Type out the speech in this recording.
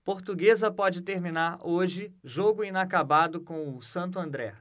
portuguesa pode terminar hoje jogo inacabado com o santo andré